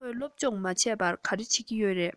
ཁོས སློབ སྦྱོང མ བྱས པར ག རེ བྱེད ཀྱི ཡོད རས